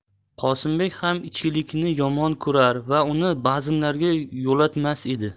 qosimbek ham ichkilikni yomon ko'rar va uni bazmlarga yo'latmas edi